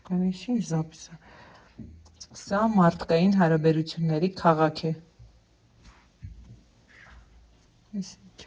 Սա մարդկային հարաբերությունների քաղաք է։